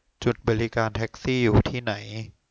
จุดบริการแท็กซี่อยู่ที่ไหน